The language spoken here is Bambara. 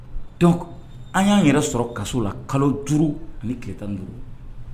Dɔnku an y'an yɛrɛ sɔrɔ kaso la kalo duuru ni tile tan duuru